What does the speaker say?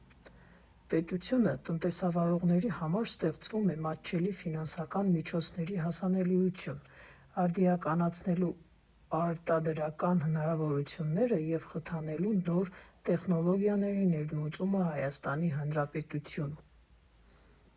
Պետությունը տնտեսվարողների համար ստեղծում է մատչելի ֆինանսական միջոցների հասանելիություն՝ արդիականացնելու արտադրական հնարավորությունները և խթանելու նոր տեխնոլոգիաների ներմուծումը Հայաստանի Հանրապետություն։